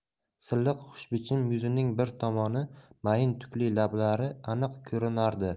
silliq xushbichim yuzining bir tomoni mayin tukli lablari aniq ko'rinardi